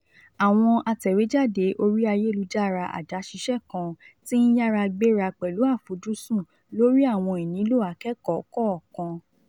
Àwọn atẹ̀wéjáde orí ayélujára, adáṣiṣẹ́ kan ti ń yára gbéra pẹ̀lú àfojúsùn lórí àwọn ìnílò akẹ́kọ̀ọ́ kọ̀ọ̀kan.